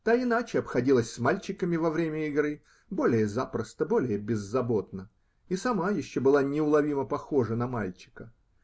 Та иначе обходилась с мальчиками во время игры, более запросто, более беззаботно, и сама еще была неуловимо похожа на мальчика.